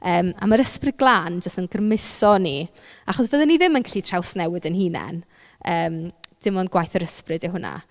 Yym a mae'r Ysbryd Glân jyst yn grymuso ni . Achos fyddwn ni ddim yn gallu trawsnewid ein hunain, yym dim ond gwaith yr ysbryd yw hwnna.